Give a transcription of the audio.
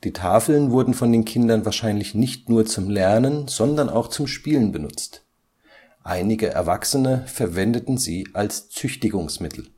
Tafeln wurden von den Kindern wahrscheinlich nicht nur zum Lernen, sondern auch zum Spielen benutzt; einige Erwachsene verwendeten sie als Züchtigungsmittel